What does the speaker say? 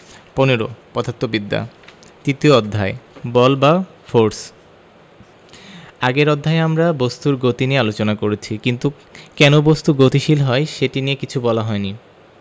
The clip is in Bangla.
১৫ পদার্থবিদ্যা তৃতীয় অধ্যায় বল বা ফোরস আগের অধ্যায়ে আমরা বস্তুর গতি নিয়ে আলোচনা করেছি কিন্তু কেন বস্তু গতিশীল হয় সেটি নিয়ে কিছু বলা হয়নি